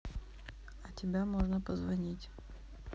а тебя можно позвонить